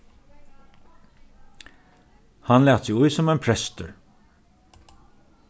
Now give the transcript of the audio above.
hann læt seg í sum ein prestur